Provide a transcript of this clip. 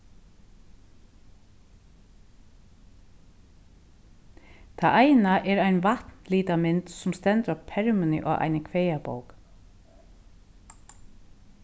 tað eina er ein vatnlitamynd sum stendur á permuni á eini kvæðabók